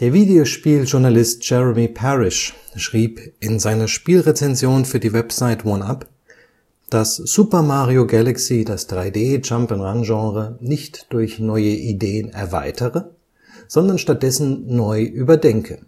Videospieljournalist Jeremy Parish schrieb in seiner Spielrezension für die Website 1UP, dass Super Mario Galaxy das 3D-Jump -’ n’ - Run-Genre nicht durch neue Ideen erweitere, sondern stattdessen neu überdenke